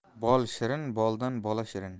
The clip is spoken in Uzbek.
bol shirin boldan bola shirin